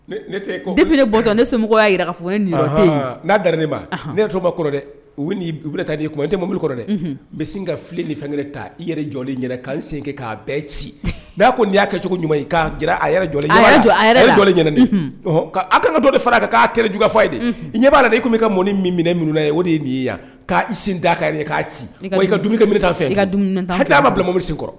Ne bɔ ne semɔgɔ y'a jira fɔ n'a dan ne ma ne toba kɔrɔ dɛ u taa'i n te mobili kɔrɔ dɛ n bɛ sin ka fili ni fɛnkelen ta i yɛrɛ jɔ k' n sen k'a bɛɛ ci mɛ ko n' y'a kɛcogo ɲuman' a a ka ka dɔ fara'a jfa ye de ɲɛ b'a la i tun i ka mɔni min minɛ min ye o de nini yan k' sin da' ye k'a ci ka kɛ fɛ a ma bilamabili se kɔrɔ